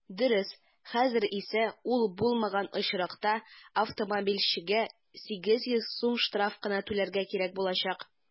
Дөрес, хәзер исә ул булмаган очракта автомобильчегә 800 сум штраф кына түләргә кирәк булачак.